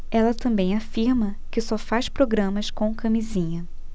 ela também afirma que só faz programas com camisinha